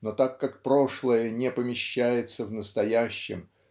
но так как прошлое не помещается в настоящем